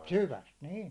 syvästä niin